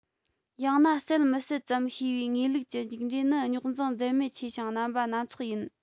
ཡང ན གསལ མི གསལ ཙམ ཤེས པའི ངེས ལུགས ཀྱི མཇུག འབྲས ནི རྙོག འཛིང འཛད མེད ཆེ ཞིང རྣམ པ སྣ ཚོགས ཡིན